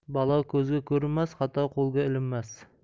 balo ko'zga ko'rinmas xato qo'lga ilinmas